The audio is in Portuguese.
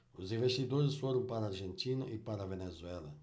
os investidores foram para a argentina e para a venezuela